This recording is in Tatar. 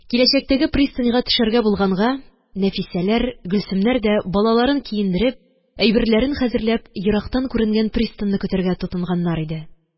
Киләчәктәге пристаньга төшәргә булганга, Нәфисәләр, Гөлсемнәр дә, балаларын киендереп, әйберләрен хәзерләп, ерактан күренгән пристаньны көтәргә тотынганнар иде.